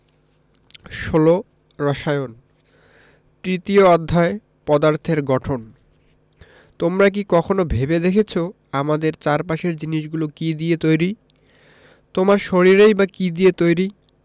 ১৬ রসায়ন তৃতীয় অধ্যায় পদার্থের গঠন তোমরা কি কখনো ভেবে দেখেছ আমাদের চারপাশের জিনিসগুলো কী দিয়ে তৈরি তোমার শরীরই বা কী দিয়ে তৈরি